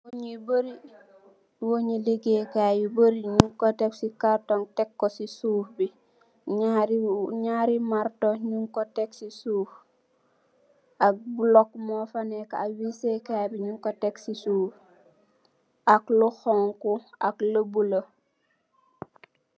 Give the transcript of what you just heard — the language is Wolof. Weanch legeyekay yu bary nugku tek se cartoon teku suffbe nyari nyari marto nugku tek se suff ak block mufa neka ak wese kaybe nugku tek se suff ak lu hauha ak lu bluelo.